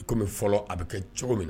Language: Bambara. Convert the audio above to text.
Comme fɔlɔ tun bɛ kɛ cogo min na